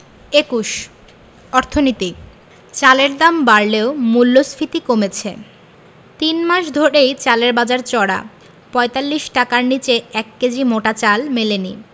২১ অর্থনীতি চালের দাম বাড়লেও মূল্যস্ফীতি কমেছে তিন মাস ধরেই চালের বাজার চড়া ৪৫ টাকার নিচে ১ কেজি মোটা চাল মেলেনি